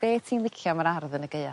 Be' ti'n licio am yr ardd yn y Gaea?